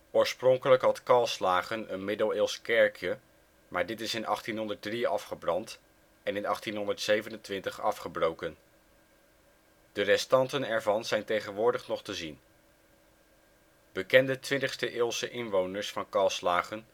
Oorspronkelijk had Calslagen een Middeleeuws kerkje, maar dit is in 1803 afgebrand en in 1827 afgebroken. De restanten ervan zijn tegenwoordig nog te zien. Bekende twintigste-eeuwse inwoners van Calslagen